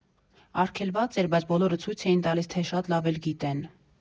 Արգելված էր, բայց բոլորը ցույց էին տալիս, թե շատ լավ էլ գիտեն։